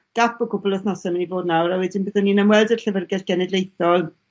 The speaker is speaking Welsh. gap o cwpwl wthnose myn' i fod nawr a wedyn byddwn ni'n ymweld â'r Llyfyrgell Genedlaethol